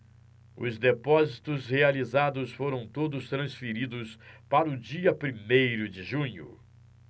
os depósitos realizados foram todos transferidos para o dia primeiro de junho